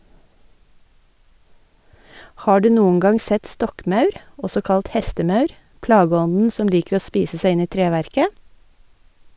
Har du noen gang sett stokkmaur, også kalt hestemaur, plageånden som liker å spise seg inn i treverket?